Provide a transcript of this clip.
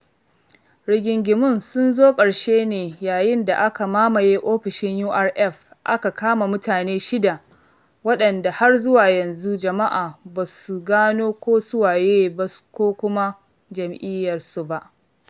Rigingimun sun zo ƙarshe ne yayin da aka mamaye ofishin URF aka kama mutane shida waɗanda har zuwa yanzu jama'a ba su gano ko su waye su ba ko kuma jam'iyyarsu ba.